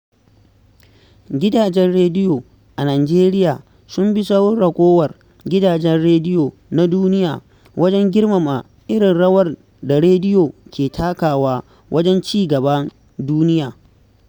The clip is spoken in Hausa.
Gidajen rediyo a Nijeriya sun bi sahun ragowar gidajen rediyo na duniya wajen girmama irin rawar da radiyo take takawa wajen ci-gaban duniya.